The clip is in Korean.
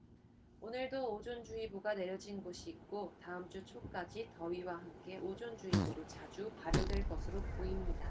오늘도 오존 주의보가 내려진 곳이 있고 다음 주 초까지 더위와 함께 오존 주의보도 자주 발효될 것으로 보입니다